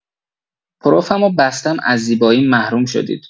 پروفمو بستم از زیباییم محروم شدید